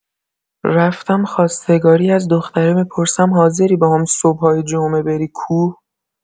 رفتم خواستگاری از دختره می‌پرسم حاضری باهام صبح‌های جمعه بری کوه؟